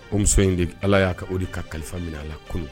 O muso in de k Ala y'a ka o de ka kalifa min'a la kunun